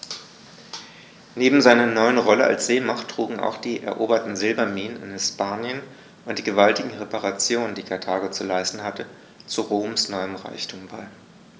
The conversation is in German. Neben seiner neuen Rolle als Seemacht trugen auch die eroberten Silberminen in Hispanien und die gewaltigen Reparationen, die Karthago zu leisten hatte, zu Roms neuem Reichtum bei.